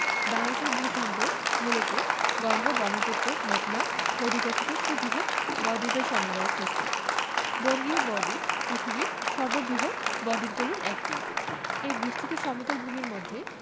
বাংলাদেশের ভূখন্ড মূলত গঙ্গা বহ্মপুত্র মেঘনা নদীগঠিত সুবৃহৎ বদ্বীপের সমন্বয়ে সৃষ্ট বঙ্গীয় বদ্বীপ পৃথিবীর সর্ববৃহৎ বদ্বীপগুলোর একটি এই বিস্তৃত সমতল ভূমির মধ্যে